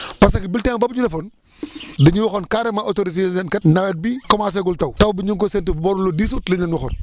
parce que bulletin boobu ñu defoon dañu waxoon carrément autorités yi ne leen kat nawet bi commencé gul taw taw bi ñu ngi ko séntu booru le dix août lañ leen waxoon